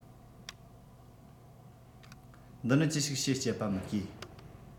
འདི ནི ཅི ཞིག བྱེད སྤྱད པ མི ཤེས